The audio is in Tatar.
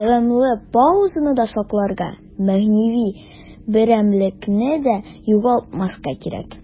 Дәвамлы паузаны да сакларга, мәгънәви берәмлекне дә югалтмаска кирәк.